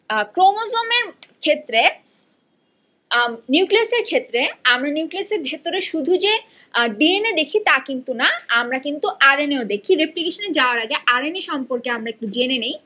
ক্রোমোজোমের ক্ষেত্রে নিউক্লিয়াস এর ক্ষেত্রে আমরা নিউক্লিয়াসের ভেতরে শুধু যে ডিএনএ দেখি তা কিন্তু না আমরা কিন্তু আর এন এ ও দেখি রেপ্লিকেশন যাওয়ার আগে আর এন এ সম্পর্কে আমরা একটু জেনে নেই